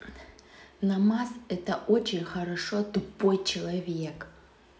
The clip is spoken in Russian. намаз это очень хорошо тупой человек